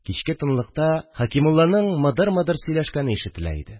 Кичке тынлыкта Хәкимулланың мыдыр-мыдыр сөйләшкәне ишетелә иде